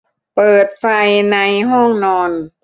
เปิดไฟในห้องนอน